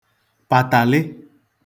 pàtàlị